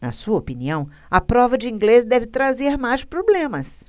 na sua opinião a prova de inglês deve trazer mais problemas